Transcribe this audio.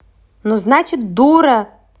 ну значит дура